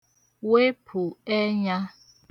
wepụ ẹnyā